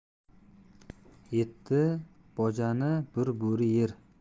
yetti bojani bir bo'ri yer